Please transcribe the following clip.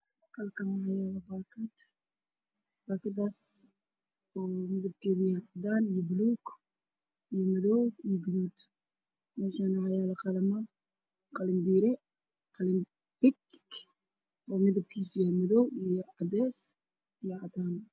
Waa qareen qori farabadan midabkiisu yahay caddaan buluug waxaa ag yaalla kartoon miiska waa caddaan